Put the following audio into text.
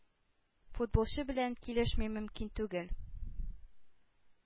Футболчы белән килешми мөмкин түгел.